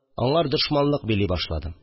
Аңар дошманлык били башладым